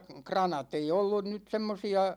kranat ei ollut nyt semmoisia